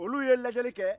olu ye lajɛli kɛ